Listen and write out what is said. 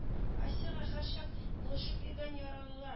Асяга һәрчак булышып йөргән яралылар